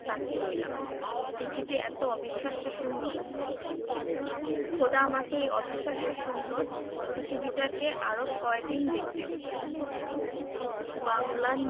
বুভুক্ষের মতো তাকিয়ে রইলাম পৃথিবী এতো অবিশ্বাস্য সুন্দর খোদা আমাকে এই অবিশ্বাস্য সুন্দর পৃথিবীটিকে আরো কয়দিন দেখতে দেবে